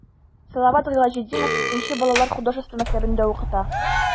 Салават Гыйләҗетдинов 2 нче балалар художество мәктәбендә укыта.